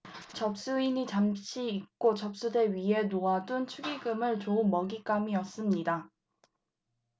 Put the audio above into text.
접수인이 잠시 잊고 접수대 위에 놓아둔 축의금도 좋은 먹잇감이었습니다